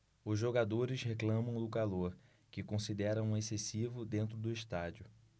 os jogadores reclamam do calor que consideram excessivo dentro do estádio